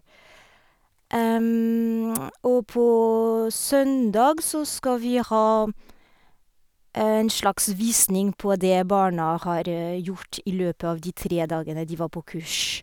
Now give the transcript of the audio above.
Og på søndag så skal vi ha en slags visning på det barna har gjort i løpet av de tre dagene de var på kurs.